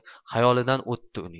xayolidan o'tdi uning